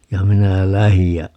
ja minä lähdin ja